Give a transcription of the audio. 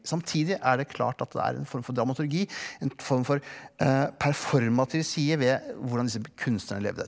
samtidig er det klart at det er en form for dramaturgi en form for performativ side ved hvordan disse kunstnerne levde.